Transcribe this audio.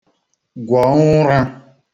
gwọ ụṅra